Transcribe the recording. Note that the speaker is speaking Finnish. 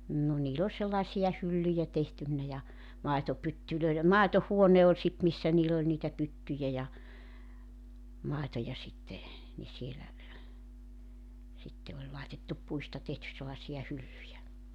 no niillä oli sellaisia hyllyjä tehtynä ja maitopytyille maitohuone oli sitten missä niillä oli niitä pyttyjä ja maitoja sitten niin siellä sitten oli laitettu puista tehty sellaisia hyllyjä